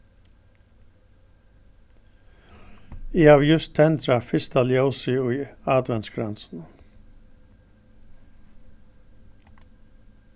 eg havi júst tendrað fyrsta ljósið í adventskransinum